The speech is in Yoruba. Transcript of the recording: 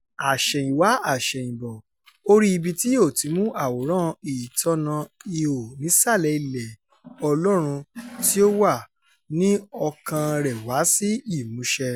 Àṣẹ̀yìnwá àṣẹ̀yìnbọ ó rí ibi tí yóò ti mú àwòrán-ìtọ́nà ihò nísàlẹ̀ ilẹ̀ẹ Ọlọ́run tí ó wà ní ọkàn-an rẹ̀ wá sí ìmúṣẹ.